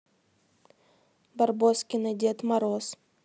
барбоскины дед мороз